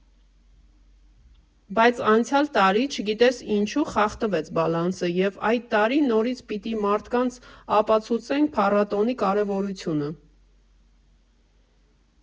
Բայց անցյալ տարի, չգիտես ինչու, խախտվեց բալանսը, և այդ տարի նորից պիտի մարդկանց ապացուցենք փառատոնի կարևորությունը։